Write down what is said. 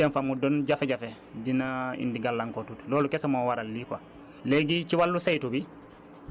waaye bu xawee xëcc de trop pour dem fa mu doon jafe-jafe dina indi gàllankoor tuuti loolu kese moo waral lii quoi